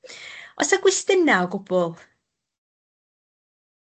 Oes 'na gwestiyna' o gwbwl?